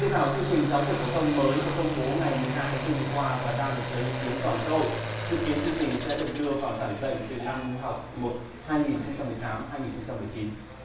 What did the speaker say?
dự thảo chương trình giáo dục phổ thông mới được công bố ngày mười hai tháng tư vừa qua và đang được lấy ý kiến toàn xã hội dự kiến chương trình sẽ được đưa vào giảng dạy từ năm học một hai nghìn không trăm mười tám hai nghìn không trăm mười chín